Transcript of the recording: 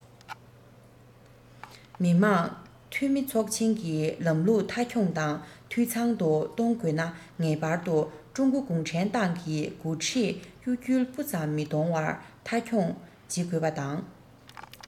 མི དམངས འཐུས མི ཚོགས ཆེན གྱི ལམ ལུགས མཐའ འཁྱོངས དང འཐུས ཚང དུ གཏོང དགོས ན ངེས པར དུ ཀྲུང གོ གུང ཁྲན ཏང གི འགོ ཁྲིད གཡོ འགུལ སྤུ ཙམ མི གཏོང བར མཐའ འཁྱོངས བྱེད དགོས པ དང